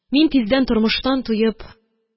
Мин тиздән тормыштан туеп